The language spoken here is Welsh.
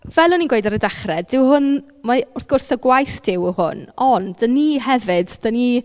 Fel o'n i'n gweud ar y dechrau dyw hwn... mae... wrth gwrs taw gwaith Duw yw hwn, ond dan ni hefyd... dan ni...